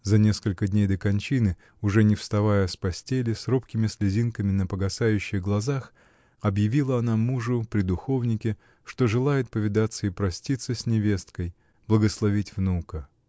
За несколько дней до кончины, уже не вставая с постели, с робкими слезинками на погасающих глазах, объявила она мужу при духовнике, что желает повидаться и проститься с невесткой, благословить внука.